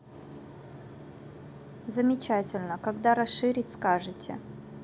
замечательно когда расширить скажете